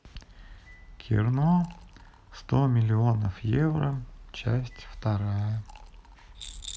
кино сто миллионов евро часть вторая